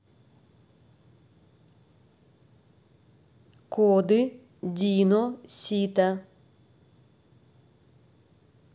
коды дино сита